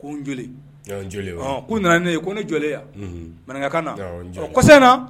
Ko' nana ne ye ko ne jɔ manka na